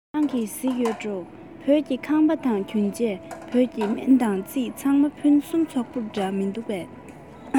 ཁྱེད རང གིས གཟིགས ཡོད འགྲོ བོད ཀྱི ཁང པ དང གྱོན ཆས བོད ཀྱི སྨན དང རྩིས ཚང མ ཕུན སུམ ཚོགས པོ འདྲས མི འདུག གས